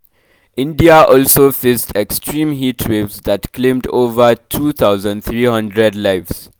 India also faced extreme heat waves that claimed over 2,300 lives.